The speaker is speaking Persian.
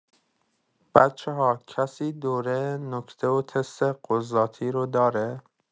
بچه‌ها کسی دوره نکته و تست قضاتی رو داره؟